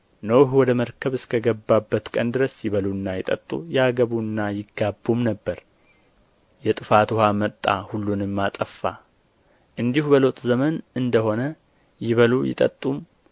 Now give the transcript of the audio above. ኖኅ ወደ መርከብ እስከ ገባበት ቀን ድረስ ይበሉና ይጠጡ ያገቡና ይጋቡም ነበር የጥፋት ውኃም መጣ ሁሉንም አጠፋ እንዲሁ በሎጥ ዘመን እንደ ሆነ ይበሉ ይጠጡም